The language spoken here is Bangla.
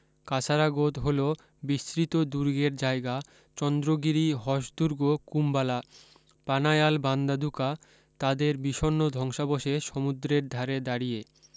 কাসারাগোদ হল বিস্মৃত দুর্গের জায়গা চন্দ্রগিরি হসদুর্গ কুম্বালা পানায়াল বান্দাদুকা তাদের বিষণ্ণ ধ্বংসাবশেষ সমুদ্রের ধারে দাঁড়িয়ে